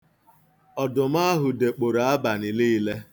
Ọdụm ahụ dekporo abalị niile.